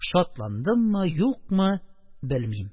Шатландыммы, юкмы - белмим.